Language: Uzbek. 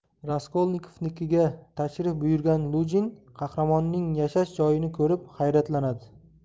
raskolnikovnikiga tashrif buyurgan lujin qahramonning yashash joyini ko'rib hayratlanadi